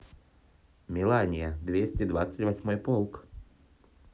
millania двести двадцать восьмой полк